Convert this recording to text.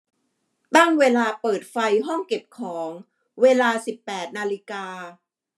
ตั้งเวลาเปิดไฟห้องเก็บของเวลาสิบแปดนาฬิกา